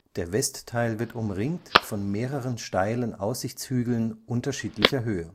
Der Westteil wird umringt von mehreren steilen Aussichtshügeln unterschiedlicher Höhe